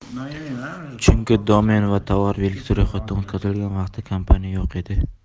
chunki domen va tovar belgisi ro'yxatdan o'tkazilgan vaqtda kompaniya yo'q edi